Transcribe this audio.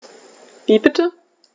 Wie bitte?